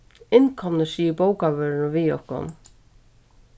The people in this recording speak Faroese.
innkomnir sigur bókavørðurin við okkum